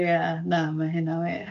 Ie na ma hynna'n wir.